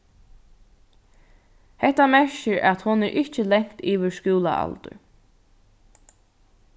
hetta merkir at hon ikki er langt yvir skúlaaldur